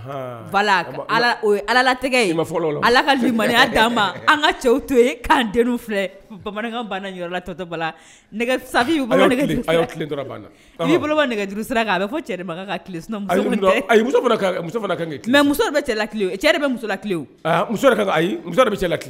An ka cɛw to' filɛ bamanankan yɔrɔla tɔtɔ bala bolo ma nɛgɛjuru sira a bɛ fɔ cɛmuso bɛ ki cɛ bɛ musola kile